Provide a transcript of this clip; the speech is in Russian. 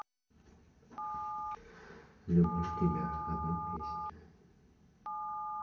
люблю тебя одну песня